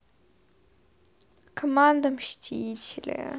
команда мстители